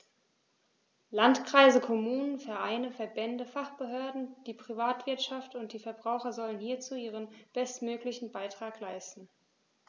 Landkreise, Kommunen, Vereine, Verbände, Fachbehörden, die Privatwirtschaft und die Verbraucher sollen hierzu ihren bestmöglichen Beitrag leisten.